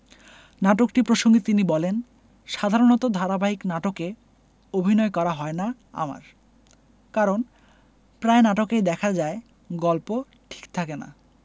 নাটকটি প্রসঙ্গে তিনি বলেন সাধারণত ধারাবাহিক নাটকে অভিনয় করা হয় না আমার কারণ প্রায় নাটকেই দেখা যায় গল্প ঠিক থাকে না